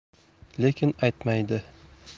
lekin aytmaydi